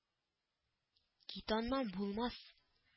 — кит аннан, булмас